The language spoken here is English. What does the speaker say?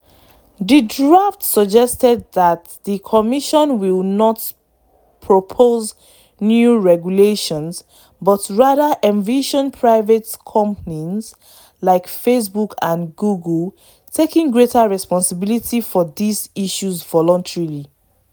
The draft suggests that the Commission will not propose new regulations, but rather envisions private companies like Facebook and Google taking greater responsibility for these issues voluntarily.